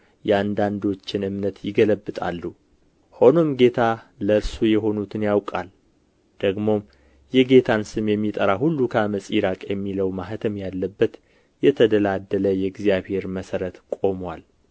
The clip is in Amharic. የአንዳንዶችን እምነት ይገለብጣሉ ሆኖም ጌታ ለእርሱ የሆኑትን ያውቃል ደግሞም የጌታን ስም የሚጠራ ሁሉ ከዓመፅ ይራቅ የሚለው ማኅተም ያለበት የተደላደለ የእግዚአብሔር መሠረት ቆሞአል